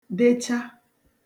decha